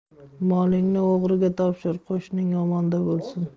molingni o'g'riga topshir qo'shning omonda bo'lsin